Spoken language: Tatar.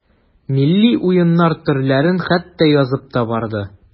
Милли уеннар төрләрен хәтта язып та барды.